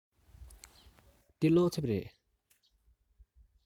འདི སློབ དེབ རེད